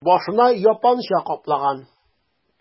Башына япанча каплаган...